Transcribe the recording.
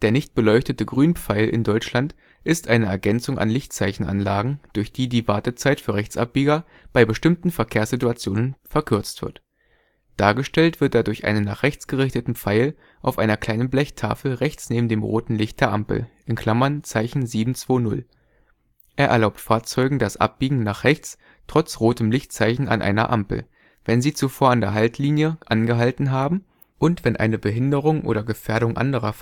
nicht beleuchtete Grünpfeil in Deutschland ist eine Ergänzung an Lichtzeichenanlagen, durch die die Wartezeit für Rechtsabbieger bei bestimmten Verkehrssituationen verkürzt wird. Dargestellt wird er durch einen nach rechts gerichteten Pfeil auf einer kleinen Blechtafel rechts neben dem roten Licht der Ampel (Zeichen 720). Er erlaubt Fahrzeugen das Abbiegen nach rechts trotz rotem Lichtzeichen an einer Ampel, wenn sie zuvor an der Haltlinie angehalten haben und wenn eine Behinderung oder Gefährdung anderer